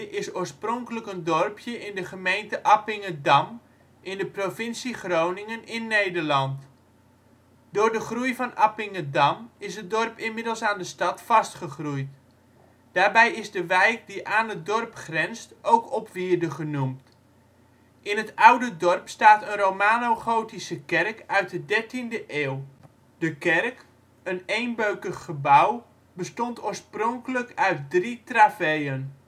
is oorspronkelijk een dorpje in de gemeente Appingedam in de provincie Groningen in Nederland. Door de groei van Appingedam is het dorp inmiddels aan de stad vastgegroeid. Daarbij is de wijk die aan het dorp grenst ook Opwierde genoemd. In het oude dorp staat een romanogotische kerk uit de dertiende eeuw. De kerk, een eenbeukig gebouw, bestond oorspronkelijk uit drie traveën